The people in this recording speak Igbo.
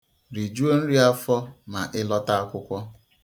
Rijuo nri afọ ma i lọta akwụkwọ.